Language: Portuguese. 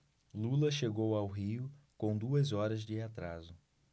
lula chegou ao rio com duas horas de atraso